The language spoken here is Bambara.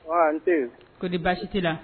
H ko di baasi tɛ la